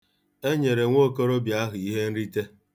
E nyere nwa okorobịa ahụ ihe nrite.